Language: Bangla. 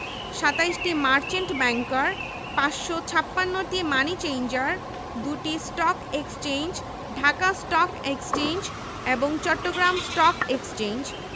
আগস্ট মাসে প্রায় এক লক্ষ চল্লিশ হাজার কিউমেক এবং সবচাইতে কম থাকে ফেব্রুয়ারি মাসে ৭হাজার কিউমেক